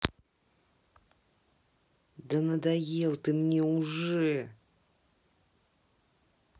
да надоел ты мне уже